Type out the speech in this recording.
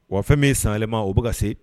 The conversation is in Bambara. Wa fɛn min sanɛlɛma o bɛ ka se